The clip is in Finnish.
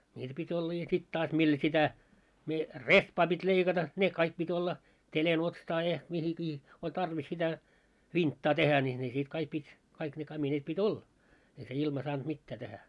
niitä piti olla ja sitten taas millä sitä - rehpaa piti leikata ne kaikki piti olla ja mihinkin oli tarvis sitä vinttaa tehdä niin ne sitten kaikki piti kaikki ne kamineet piti olla ei se ilma saanut mitään tehdä